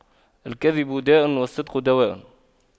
الكذب داء والصدق دواء